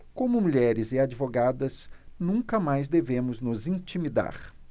como mulheres e advogadas nunca mais devemos nos intimidar